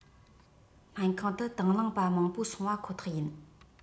སྨན ཁང དུ དང བླངས པ མང པོ སོང བ ཁོ ཐག ཡིན